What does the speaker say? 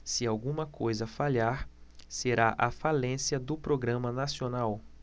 se alguma coisa falhar será a falência do programa nacional